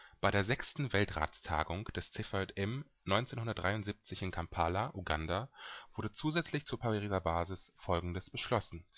Bei der 6. Weltratstagung des CVJM 1973 in Kampala, Uganda, wurde zusätzlich zur Pariser Basis folgendes beschlossen